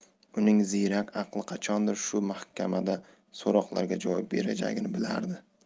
uning ziyrak aqli qachondir shu mahkamada so'roqlarga javob berajagini bilardi